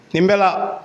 Nin bɛ la